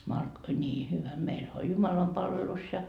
- niin hyvä meillähän oli jumalanpalvelus ja